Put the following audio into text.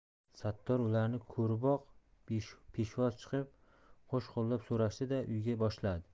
sattor ularni ko'riboq peshvoz chiqib qo'shqo'llab so'rashdi da uyga boshladi